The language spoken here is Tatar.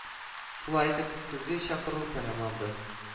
Шулай итеп, көзге чакыру тәмамланды